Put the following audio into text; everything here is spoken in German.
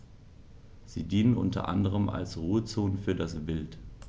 Sie dienen unter anderem als Ruhezonen für das Wild.